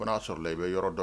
N b'a sɔrɔ la i bɛ yɔrɔ dɔn